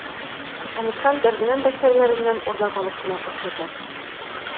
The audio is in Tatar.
Әмирхан, Дәрдемәнд әсәрләреннән үрнәк алып кына күрсәтә.